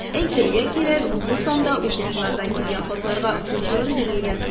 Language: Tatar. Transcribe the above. Әйтергә кирәк, бу санда укучылардан килгән хатларга күп урын бирелгән.